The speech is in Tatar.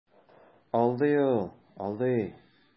Алдый ул, алдый.